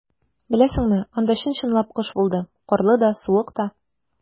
Беләсеңме, анда чын-чынлап кыш булды - карлы да, суык та.